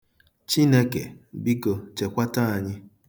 Chineke biko, chekwata anyị.